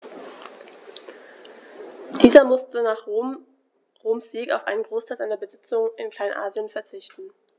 Dieser musste nach Roms Sieg auf einen Großteil seiner Besitzungen in Kleinasien verzichten.